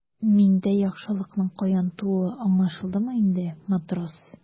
Миндә яхшылыкның каян тууы аңлашылдымы инде, матрос?